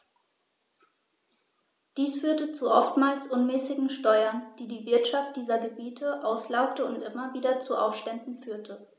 Dies führte zu oftmals unmäßigen Steuern, die die Wirtschaft dieser Gebiete auslaugte und immer wieder zu Aufständen führte.